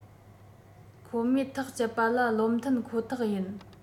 ཁོ མོས ཐག བཅད པ ལ བློ མཐུན ཁོ ཐག ཡིན